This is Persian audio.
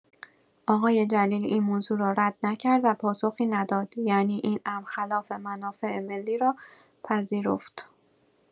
اقای جلیلی این موضوع را رد نکرد و پاسخی نداد یعنی این امر خلاف منافع ملی را پذیرفت.